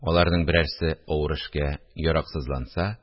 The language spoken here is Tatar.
Аларның берәрсе авыр эшкә яраксызланса